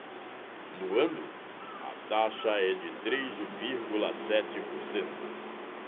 no ano a taxa é de três vírgula sete por cento